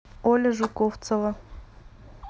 оля жуковцова